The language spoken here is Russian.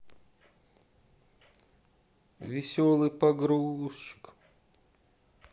веселый погрузчик